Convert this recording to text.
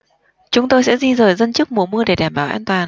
chúng tôi sẽ di dời dân trước mùa mưa để đảm bảo an toàn